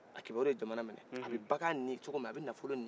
a kibaru ye jamana minɛ a bɛ baga nin coko min a bɛ nafolo nin te